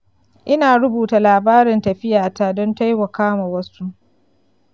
ina rubuta labarin tafiyata don taimaka wa wasu.